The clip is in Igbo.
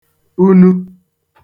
unu